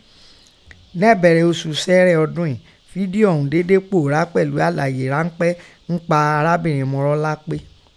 Nẹ́ ẹ̀bẹ̀rẹ̀ osù Ṣẹẹrẹ ọdún ìín, fídíò ọ̀ún déédé pòórá pẹ̀lú àlàyé ránpẹ́ ǹpa arábìrin Mọrọ́lápé.